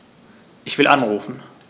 Ich will anrufen.